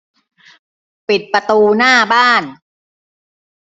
ปิดประตูหน้าบ้าน